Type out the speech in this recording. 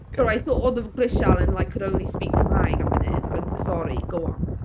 So I thought oedd y grisial yn like could only speak Cymraeg am funud. On- sorry, go on.